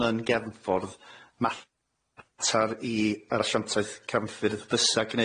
yn gefnffordd matar i yr asiantaeth cefnffyrdd fysa gneud